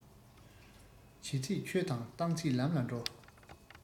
བྱས ཚད ཆོས དང བཏང ཚད ལམ ལ འགྲོ